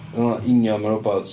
Fel 'na union ma' robot.